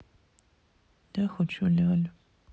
я хочу лялю